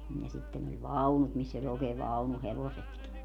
ja sitten oli vaunut missä oli oikein vaunuhevosetkin